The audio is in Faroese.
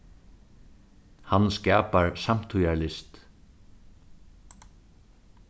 hann skapar samtíðarlist